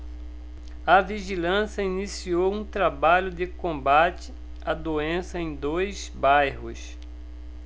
a vigilância iniciou um trabalho de combate à doença em dois bairros